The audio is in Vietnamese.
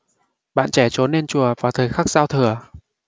bạn trẻ trốn lên chùa vào thời khắc giao thừa